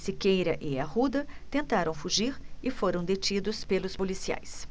siqueira e arruda tentaram fugir e foram detidos pelos policiais